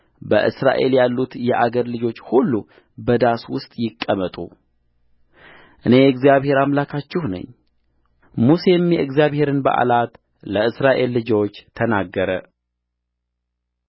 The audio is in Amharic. በእስራኤል ያሉት የአገር ልጆች ሁሉ በዳስ ውስጥ ይቀመጡ እኔ እግዚአብሔር አምላካችሁ ነኝሙሴም የእግዚአብሔርን በዓላት ለእስራኤል ልጆች ተናገረ